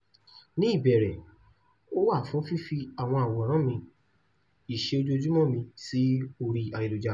Ní ìbẹ̀rẹ̀, ó wà fún fífi àwọn àwòrán mi, ìṣe ojoojúmọ́ mi sí orí ayélujára.